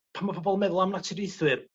pan ma' pobol meddwl am naturiaethwyr